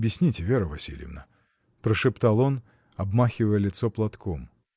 Объясните, Вера Васильевна, — прошептал он, обмахивая лицо платком.